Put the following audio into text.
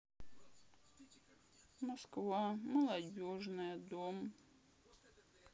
москва молодежная дом